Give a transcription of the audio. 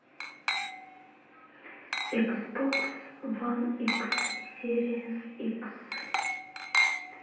иксбокс ван икс серия с икс